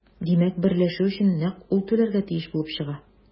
Димәк, берләшү өчен нәкъ ул түләргә тиеш булып чыга.